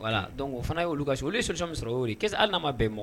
Wala dɔn o fana ye'olu ka so olu sosɔ sɔrɔ ori kɛ se alama bɛn mɔ